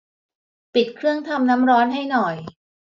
ปิดเครื่องทำน้ำร้อนให้หน่อย